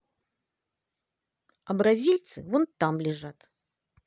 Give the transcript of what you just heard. а бразильцы вон там лежат